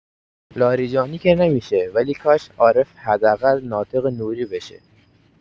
لاریجانی که نمی‌شه ولی کاش عارف حداقل ناطق نوری بشه!